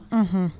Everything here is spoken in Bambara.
Unhhun